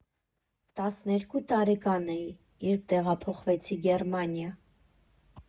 Տասներկու տարեկան էի, երբ տեղափոխվեցի Գերմանիա։